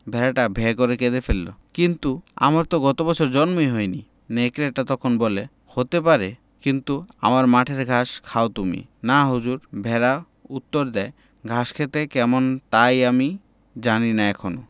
ভেড়াটা ভ্যাঁ করে কেঁদে ফেলল কিন্তু আমার তো গত বছর জন্মই হয়নি নেকড়েটা তখন বলে হতে পারে কিন্তু আমার মাঠের ঘাস খাও তুমি না হুজুর ভেড়া উত্তর দ্যায় ঘাস খেতে কেমন তাই আমি জানি না এখনো